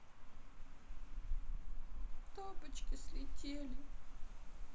тапочки слетели